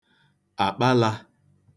àkpalā